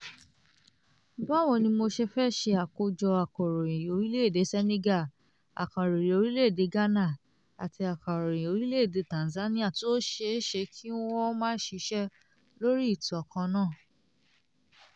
Báwo ni mo ṣe fẹ́ ṣe àkójọ akọ̀ròyìn Orílẹ̀-èdè Senegal, akọ̀ròyìn Orílẹ̀-èdè Ghana àti akọ̀ròyìn Orílẹ̀-èdè Tanzania tí ó ṣeé ṣe kí wọn ó maa ṣisẹ́ lórí ìtàn kannáà?